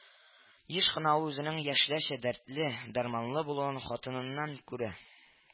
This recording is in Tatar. Еш кына ул үзенең яшьләрчә дәртле, дәрманлы булуын хатыныннан күрә